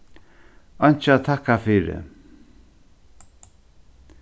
einki at takka fyri